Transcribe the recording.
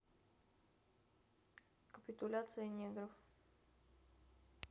капитуляция негров